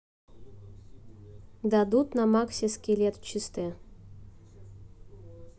дадут на максе скелет в чистое